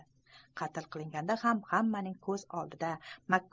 qatl qilinganda ham hammaning ko'z oldida